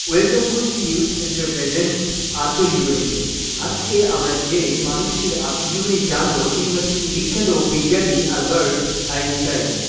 welcome course in news centre present আত্মজীবনীতে আমরা যেই মানুষটির আত্মজীবনী জানবো তিনি বিখ্যাত বিজ্ঞানী আলবার্ট আইনস্টাইন